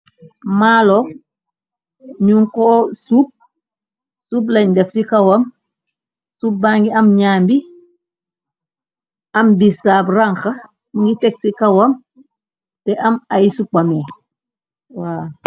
Maarlor, njung kor soup, soup len deff cii kawam, soup bangy am njambi, am bissap ranha mungy tek cii kawam, teh am aiiy supah meh waw.